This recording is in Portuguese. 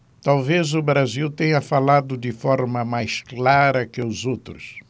talvez o brasil tenha falado de forma mais clara que os outros